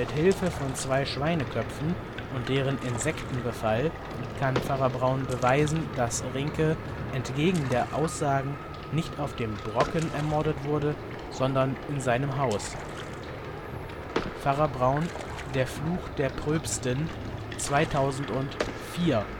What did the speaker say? Hilfe von zwei Schweineköpfen und deren Insektenbefall kann Pfarrer Braun beweisen, dass Rinke entgegen der Aussagen nicht auf dem Brocken ermordet wurde, sondern in seinem Haus. Berg-Panorama, von links: Rehberg, Achtermannshöhe, Brocken, Wurmberg Pfarrer Braun - Der Fluch der Pröpstin (2004